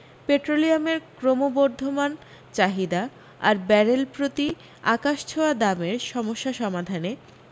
পেট্রোলিয়ামের ক্রমবর্ধমান চাহিদা আর ব্যারেল প্রতি আকাশছোঁয়া দামের সমস্যা সমাধানে